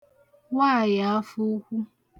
nwaàyị̀afụukwu